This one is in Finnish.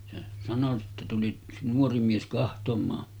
se sanoi sitten tuli yksi nuori mies katsomaan